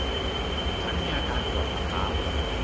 ฉันมีอาการปวดฝ่าเท้า